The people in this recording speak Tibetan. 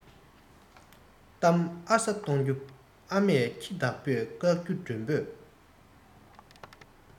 གཏམ ཨ ས གཏོང རྒྱུ ཨ མས ཁྱི བདག པོས བཀག རྒྱུ མགྲོན པོས